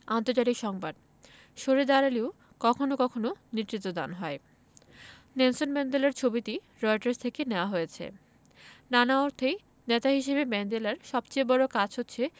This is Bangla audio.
আন্তর্জাতিক সংবাদ সরে দাঁড়ালেও কখনো কখনো নেতৃত্বদান হয় নেলসন ম্যান্ডেলার ছবিটি রয়টার্স থেকে নেয়া হয়েছে নানা অর্থেই নেতা হিসেবে ম্যান্ডেলার সবচেয়ে বড় কাজ হচ্ছে